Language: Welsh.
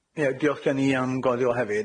Ie, diolch gen i am godi o hefyd.